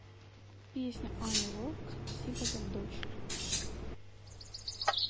песня ани лорак спасибо за дочь